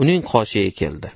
uning qoshiga keldi